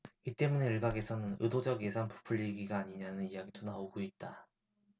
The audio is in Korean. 이 때문에 일각에서는 의도적예산 부풀리기가 아니냐는 이야기도 나오고 있다